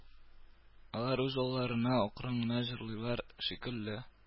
Алар үз алларына акрын гына җырлыйлар шикелле